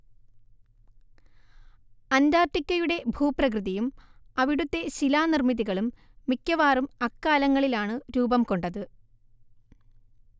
അന്റാർട്ടിക്കയുടെ ഭൂപ്രകൃതിയും അവിടുത്തെ ശിലാനിർമ്മിതികളും മിക്കവാറും അക്കാലങ്ങളിലാണ് രൂപം കൊണ്ടത്